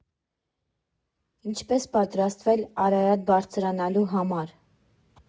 Ինչպես պատրաստվել Արարատ բարձրանալու համար։